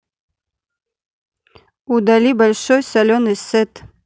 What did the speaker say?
удали большой соленый сет